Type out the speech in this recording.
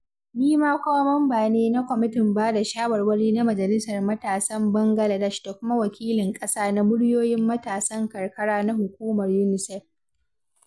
Ni ma kuma mamba ne na kwamitin ba da shawarwari na Majalisar Matasan Bangaladesh da kuma Wakilin Ƙasa na Muryoyin Matasan Karkara na Hukumar UNICEF.